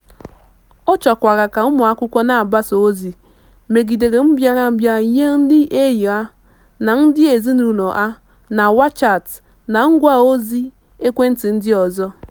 Ọ chọkwara ka ụmụakwụkwọ na-agbasa ozi megidere mbịarambịa nye ndị enyi ha na ndị ezinaụlọ ha na Wechat na ngwàozi ekwentị ndị ọzọ.